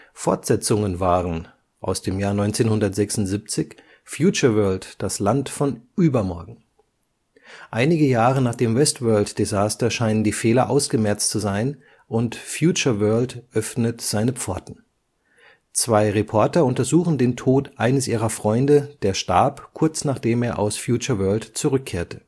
Fortsetzungen waren 1976 - Futureworld – Das Land von Übermorgen (Futureworld) Einige Jahre nach dem „ Westworld-Desaster “scheinen die Fehler ausgemerzt zu sein, und „ Futureworld “öffnet seine Pforten. Zwei Reporter untersuchen den Tod eines ihrer Freunde, der starb, kurz nachdem er aus Futureworld zurückkehrte